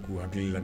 Ko hakili i ka